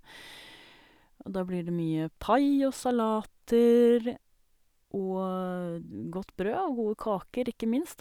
Og da blir det mye pai og salater og godt brød og gode kaker, ikke minst.